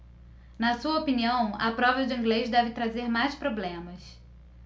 na sua opinião a prova de inglês deve trazer mais problemas